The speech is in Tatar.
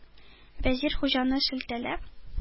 Вәзир, Хуҗаны шелтәләп: